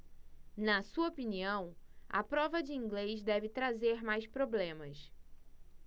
na sua opinião a prova de inglês deve trazer mais problemas